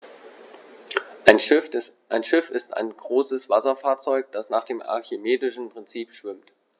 Ein Schiff ist ein größeres Wasserfahrzeug, das nach dem archimedischen Prinzip schwimmt.